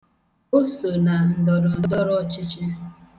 O so na ndọrọndọrọọchịchị.